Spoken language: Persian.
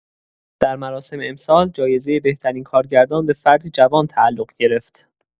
در مراسم امسال، جایزه بهترین کارگردان به فردی جوان تعلق گرفت.